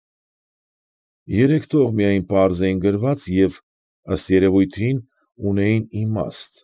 Երեք տող միայն պարզ էին գրված և, ըստ երևույթին, ունեին իմաստ։